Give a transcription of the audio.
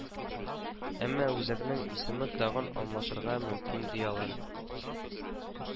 Әмма үзәкнең исеме тагын алмашырга мөмкин, ди алар